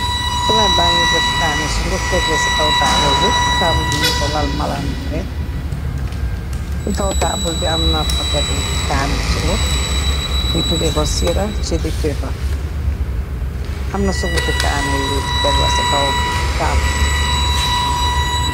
Plate bañi def kanne sunguf tegee ci kaw taabul bi, taabul bi ñu po lal malandu wee, i kaw taabul bi amna pakati kaane sunguf, ñu tudeko siira ci lippeppa, amna sungufi kaane yu tegwa ci kaw taabul.